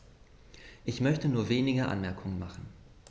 Ich möchte nur wenige Anmerkungen machen.